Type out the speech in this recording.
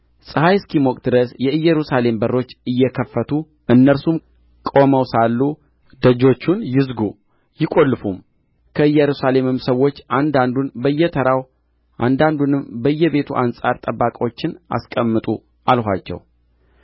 ፀሐይ እስኪሞቅ ድረስ የኢየሩሳሌም በሮች አይከፈቱ እነርሱም ቆመው ሳሉ ደጆቹን ይዝጉ ይቈልፉም ከኢየሩሳሌምም ሰዎች አንዳንዱን በየተራው አንዳንዱንም በየቤቱ አንጻር ጠባቆችን አስቀምጡ አልኋቸው